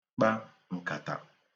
kpa ǹkàtà